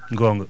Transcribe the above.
gonga